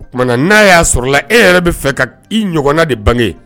O kumana na ya sɔrɔ la e yɛrɛ bɛ fɛ ka i ɲɔgɔnna de bange